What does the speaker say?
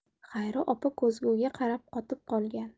xayri opa ko'zguga qarab qotib qolgan